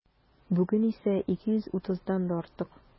Бүген исә 230-дан да артык.